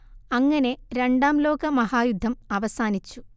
അങ്ങനെ രണ്ടാം ലോകമഹായുദ്ധം അവസാനിച്ചു